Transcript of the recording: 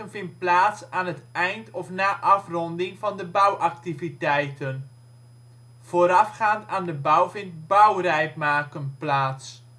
plaats aan het eind - of na afronding van de bouwactiviteiten. Voorafgaand aan de bouw vindt bouwrijp maken plaats